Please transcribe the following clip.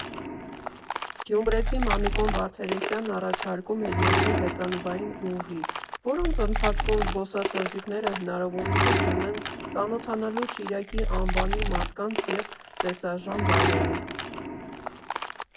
Գյումրեցի Մամիկոն Վարդերեսյանն առաջարկում է երկու հեծանվային ուղի, որոնց ընթացքում զբոսաշրջիկները հնարավորություն ունեն ծանոթանալու Շիրակի անվանի մարդկանց և տեսարժան վայրերին։